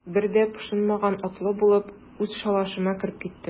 Бер дә пошынмаган атлы булып, үз шалашыма кереп киттем.